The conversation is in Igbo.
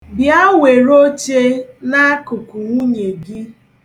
Bịa, were oche n'akụkụ nwunye gị.